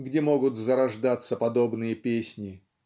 где могут зарождаться подобные песни.